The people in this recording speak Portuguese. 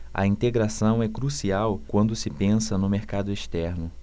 a integração é crucial quando se pensa no mercado externo